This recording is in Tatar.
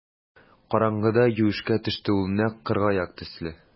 Караңгыда юешкә төште ул нәкъ кыргаяк төсле.